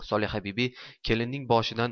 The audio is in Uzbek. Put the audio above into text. solihabibi kelinning boshidan